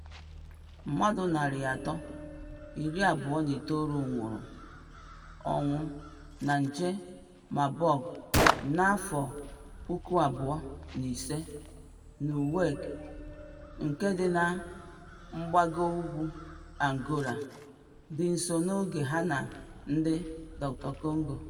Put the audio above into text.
Mmadụ 329 nwụrụ anwụ na nje Marburg n'afọ 2005 n'Uige nke dị na mgbagougwu Angola, dị nso n'oke ha na ndị DR Congo.